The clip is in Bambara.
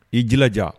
I jja